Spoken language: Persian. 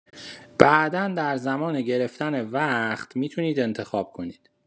بعدا در زمان گرفتن وقت می‌تونید انتخاب کنید